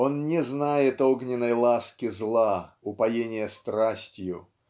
он не знает огненной ласки зла упоения страстью